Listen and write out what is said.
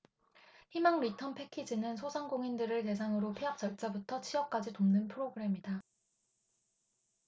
희망리턴패키지는 소상공인들을 대상으로 폐업 절차부터 취업까지 돕는 프로그램이다